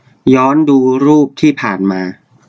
ย้อนดูรูปที่ผ่านมา